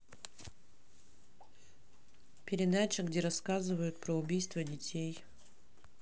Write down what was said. передача где рассказывают про убийства детей